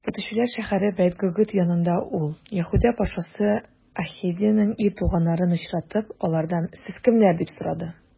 Көтүчеләр шәһәре Бәйт-Гыкыд янында ул, Яһүдә патшасы Ахазеянең ир туганнарын очратып, алардан: сез кемнәр? - дип сорады.